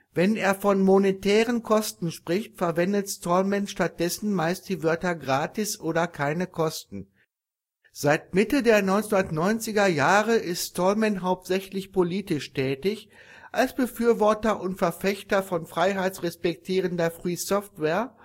Wenn er von monetären Kosten spricht, verwendet Stallman stattdessen meist die Wörter " gratis " oder " keine Kosten "(" zero price "). Seit Mitte der 1990er-Jahre ist Stallman hauptsächlich politisch tätig, als Befürworter und Verfechter von freiheits-respektierender Free Software